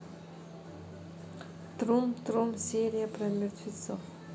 трум трум серия про мертвецов